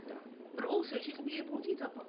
Da... but also she can be a body double.